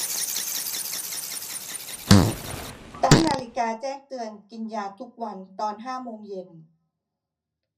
ตั้งนาฬิกาแจ้งเตือนกินยาทุกวันตอนห้าโมงเย็น